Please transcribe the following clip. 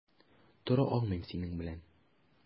Тора алмыйм синең белән.